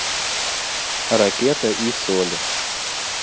ракета и соли